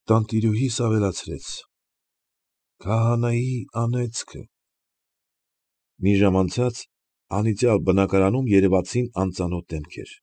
Տանտիրուհիս ավելացրեց. ֊ Քահանայի անեծքը… Մի ժամ անցած անիծյալ բնակարանում երևացին անծանոթ դեմքեր։